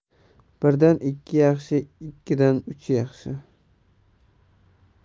birdan ikki yaxshi ikkidan uch yaxshi